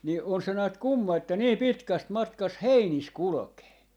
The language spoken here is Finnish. niin on se näet kumma että niin pitkästä matkasta heinissä kulkee